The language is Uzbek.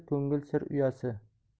ko'ngil sir uyasi